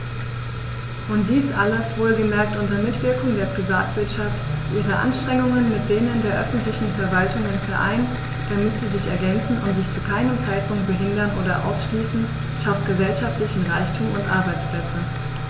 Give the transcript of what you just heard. Und dies alles - wohlgemerkt unter Mitwirkung der Privatwirtschaft, die ihre Anstrengungen mit denen der öffentlichen Verwaltungen vereint, damit sie sich ergänzen und sich zu keinem Zeitpunkt behindern oder ausschließen schafft gesellschaftlichen Reichtum und Arbeitsplätze.